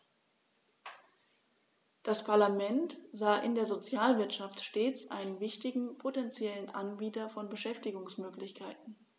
Das Parlament sah in der Sozialwirtschaft stets einen wichtigen potentiellen Anbieter von Beschäftigungsmöglichkeiten.